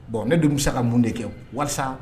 Bon ne de bɛsa ka mun de kɛ walasa